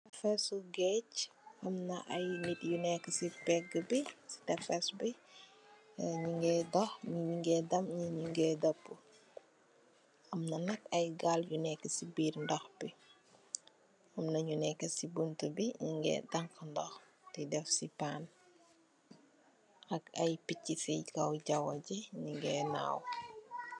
Tefesu geej, am na ay nit yu nekk si pegg bi, si tefes bi nyigee dox, nyi nyigee dem, nyi gee dappu, amna nak ay gaal yu neka si biir ndox bi, amna nyu neka si buntu bi nyun gee tanx ndox di def si pan, ak ay picci si kaw jawoji nyige naaw.